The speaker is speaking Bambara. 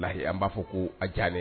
Lahi an ba fɔ ko a diyalen